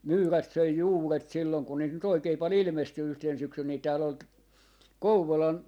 myyrät söi juuret silloin kun niitä nyt oikein paljon ilmestyi yhtenä syksynä niin täällä oli - Kouvolan